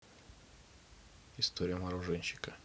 история мороженщика